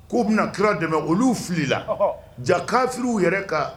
Ko bɛna kira dɛmɛ olu filila jakafiw yɛrɛ kan